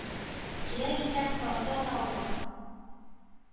Кирәк икән, тарта да ала